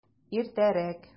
Иртәрәк!